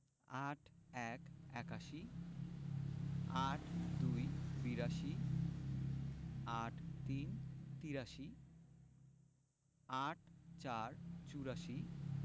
৮১ – একাশি ৮২ – বিরাশি ৮৩ – তিরাশি ৮৪ – চুরাশি